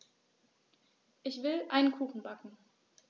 Ich will einen Kuchen backen.